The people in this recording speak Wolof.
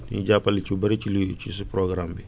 ñu jàppale ci lu bëri ci luy ci sun programme bi